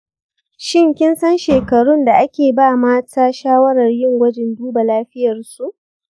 shin kinsan shekarun da ake ba mata shawarar yin gwajin duba lafiyarsu?